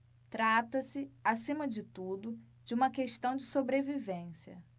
trata-se acima de tudo de uma questão de sobrevivência